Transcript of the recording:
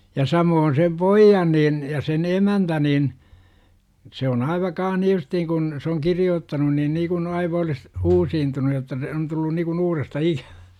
ja samoin sen pojan niin ja sen emäntä niin se on aivan kanssa niin justiin kun se on kirjoittanut niin niin kuin aivan olisi uusiutunut jotta se on tullut niin kuin uudestaan ikävä